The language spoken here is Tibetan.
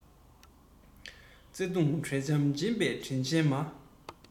བརྩེ དུང དྲོད འཇམ སྦྱིན པའི དྲིན ཅན མ